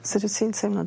Sud wt ti'n teimlo...